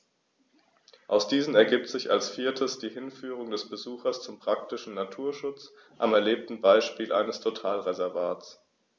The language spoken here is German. Aus diesen ergibt sich als viertes die Hinführung des Besuchers zum praktischen Naturschutz am erlebten Beispiel eines Totalreservats.